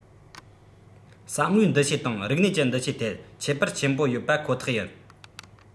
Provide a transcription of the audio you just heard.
བསམ བློའི འདུ ཤེས དང རིག གནས ཀྱི འདུ ཤེས ཐད ཁྱད པར ཆེན པོ ཡོད པ ཁོ ཐག ཡིན